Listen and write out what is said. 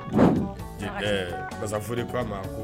Pasaf ko a ma